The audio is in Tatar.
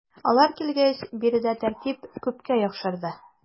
Алар килгәч биредә тәртип күпкә яхшырды.